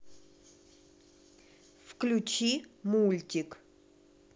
включи мультик